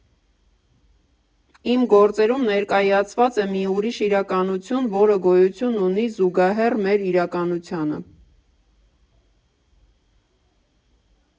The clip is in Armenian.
Իմ գործերում ներկայացված է մի ուրիշ իրականություն, որը գոյություն ունի զուգահեռ մեր իրականությանը։